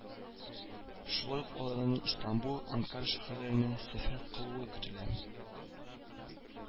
Шулай ук аларның Истанбул, Анкара шәһәрләренә сәфәр кылуы көтелә